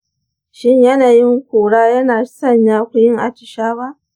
shin yanayin kura yana sanya ku yin atishawa?